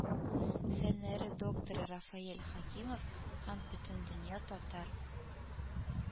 Фәннәре докторы рафаэль хәкимов һәм бөтендөнья татар